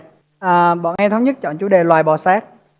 à bọn em thống nhất chọn chủ đề loài bò sát